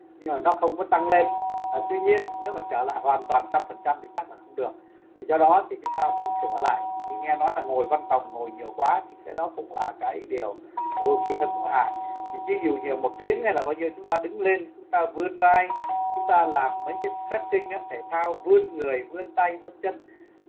nhưng mà nó không có tăng lên ờ tuy nhiên nếu trở lại hoàn toàn trăm phần trăm thì chắc là không được do đó thì chúng ta phải sửa lại vì nghe nói là ngồi văn phòng ngồi nhiều quá thì cái đó cũng là cái điều đôi khi ta cúng hại vị trí dù nhiều một tiếng là bao nhiêu chúng ta đứng lên vươn vai chúng ta làm mấy cái phét sinh á thể thao vươn người vươn tay vươn chân